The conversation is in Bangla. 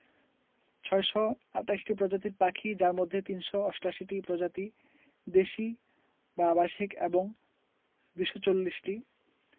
৬২৮ প্রজাতির পাখি যার মধ্যে ৩৮৮টি প্রজাতি দেশী বা আবাসিক এবং ২৪০ টি